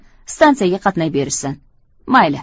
stansiyaga qatnay berishsin mayli